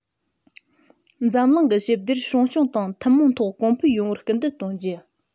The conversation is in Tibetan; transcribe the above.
འཛམ གླིང གི ཞི བདེར སྲུང སྐྱོང དང ཐུན མོང ཐོག གོང འཕེལ ཡོང བར སྐུལ འདེད གཏོང རྒྱུ